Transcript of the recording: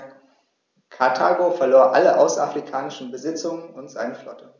Karthago verlor alle außerafrikanischen Besitzungen und seine Flotte.